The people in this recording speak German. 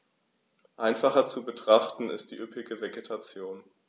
Einfacher zu betrachten ist die üppige Vegetation.